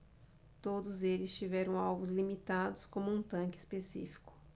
todos eles tiveram alvos limitados como um tanque específico